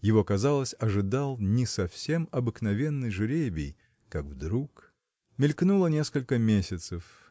его, казалось, ожидал не совсем обыкновенный жребий, как вдруг. Мелькнуло несколько месяцев.